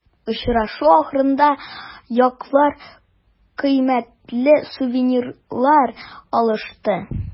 Очрашу ахырында яклар кыйммәтле сувенирлар алышты.